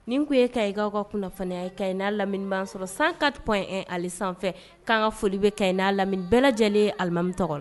Nin tun e ka i ka ka kunnafoni ye ka i n'a lamini sɔrɔ san kati ali sanfɛ k'an ka foli bɛ ka na lam bɛɛ lajɛlenlen alimami tɔgɔ la